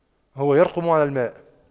هو يرقم على الماء